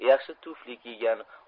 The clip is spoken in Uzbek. yaxshi tufli kiygan